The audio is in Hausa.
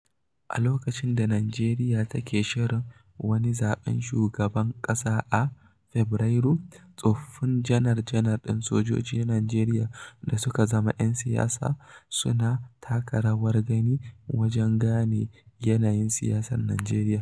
A lokacin da Najeriya take shirin wani zaɓen shugaban ƙasa a Fabarairu, tsofaffin janar-janar ɗin soji na Najeriya da suka zama 'yan siyasa suna taka rawar gani wajen gane yanayin siyasar Najeriya.